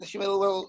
nesh i meddwl wel